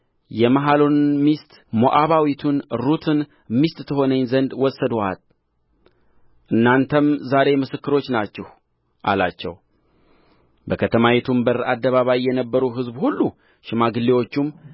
የመሐሎንን ሚስት ሞዓባዊቱን ሩትን ሚስት ትሆነኝ ዘንድ ወሰድሁአት እናንተም ዛሬ ምስክሮች ናችሁ አላቸው በከተማይቱ በር አደባባይም የነበሩ ሕዝብ ሁሉ ሽማግሌዎቹም